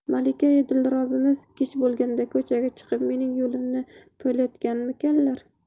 malikai dilozorimiz kech kirganda ko'chaga chiqib mening yo'limni poylayotganmikinlar